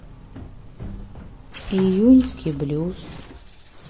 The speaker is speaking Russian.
июльский блюз